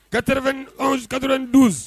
91 92